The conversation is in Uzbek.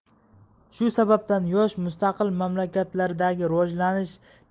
shu sababdan yosh mustaqil mamlakatlardagi rivojlanish